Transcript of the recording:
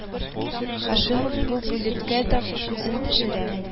Һашимов бу бүлеккә дә күзен төшерә